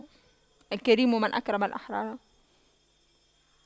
الكريم من أكرم الأحرار